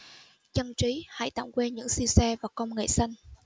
dân trí hãy tạm quên những siêu xe và công nghệ xanh